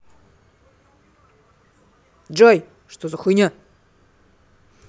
джой что за хуйня